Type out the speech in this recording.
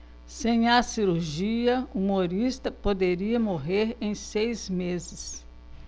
sem a cirurgia humorista poderia morrer em seis meses